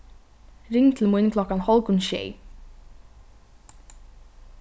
ring til mín klokkan hálvgum sjey